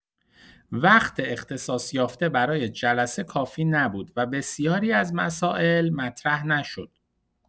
وقت اختصاص‌یافته برای جلسه کافی نبود و بسیاری از مسائل مطرح نشد.